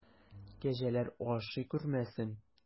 Кәҗәләр ашый күрмәсен!